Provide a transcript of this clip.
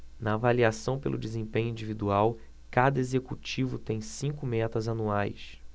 na avaliação pelo desempenho individual cada executivo tem cinco metas anuais